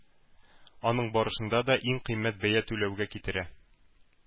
Аның барышында да иң кыйммәт бәя түләүгә китерә.